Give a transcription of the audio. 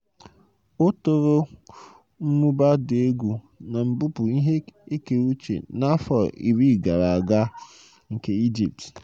O toro "mmụba dị egwu na mbupụ ihe ekere uche n'afọ iri gara aga" nke Egypt.